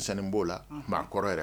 Denmisɛnnin b'o la maa kɔrɔ yɛrɛ